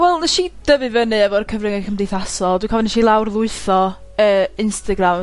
wel nesh i dyfu fyny efo'r cyfrynge cymdeithasol. Dw'n cofio nesh i lawr-lwytho yy Instagram